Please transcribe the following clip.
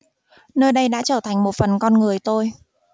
nơi đây đã trở thành một phần con người tôi